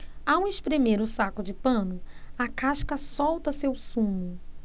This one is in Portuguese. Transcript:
ao espremer o saco de pano a casca solta seu sumo